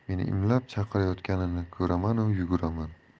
turib meni imlab chaqirayotganini ko'ramanu yuguraman